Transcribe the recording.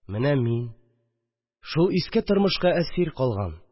Мен ә мин – шул иске тормышка әсир калган